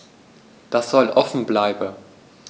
Das soll offen bleiben.